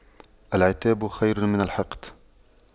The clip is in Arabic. العتاب خير من الحقد